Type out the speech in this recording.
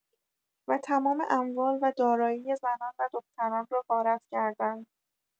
و تمام اموال و دارایی زنان و دختران را غارت کردند.